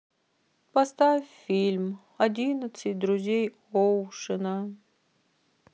поставь фильм одиннадцать друзей оушена